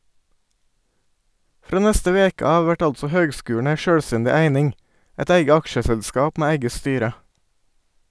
Frå neste veke av vert altså høgskulen ei sjølvstendig eining, eit eige aksjeselskap med eige styre.